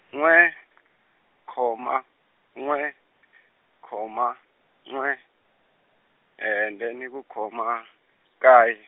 n'we , khoma, n'we , khoma, n'we, then yi ku khoma, nkaye.